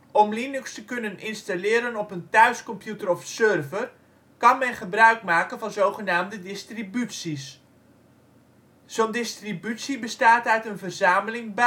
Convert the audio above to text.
Om Linux te kunnen installeren op een thuiscomputer of server, kan men gebruikmaken van zogenaamde distributies. Zo 'n distributie bestaat uit een verzameling basistoepassingen